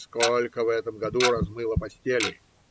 сколько в этом году размыло постели?